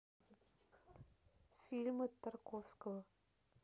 фильмы тарковского